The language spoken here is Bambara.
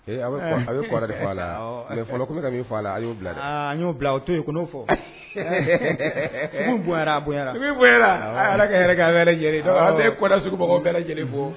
A a bɛɔrɛ a la a bɛ a la a y'o bila y'o bila o to yen ko n'o fɔ bɛ a ala a bɛɛdaurubagaw bɔ